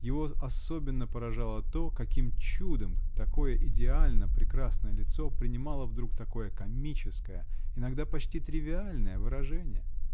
его особенно поражало то, каким чудом такое идеально-прекрасное лицо принимало вдруг такое комическое, иногда почти тривиальное выражение?